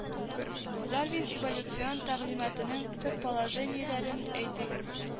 Дарвин эволюцион тәгълиматының төп положениеләрен әйтегез